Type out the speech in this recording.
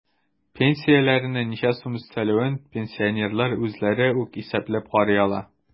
Пенсияләренә ничә сум өстәлүен пенсионерлар үзләре үк исәпләп карый ала.